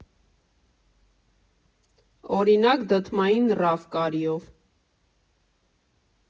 Օրինակ՝ դդմային ռաֆ կարիով։